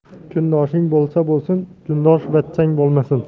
kundoshing bo'lsa bo'lsin kundoshbachchang bo'lmasin